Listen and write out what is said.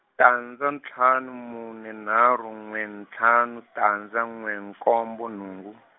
tandza ntlhanu mune nharhu n'we ntlhanu tandza n'we nkombo nhungu.